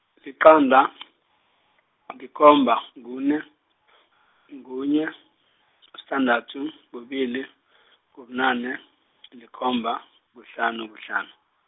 liqanda , likhomba, kune, kunye, s- sithandathu, kubili, kubunane, likhomba, kuhlanu, kuhlanu.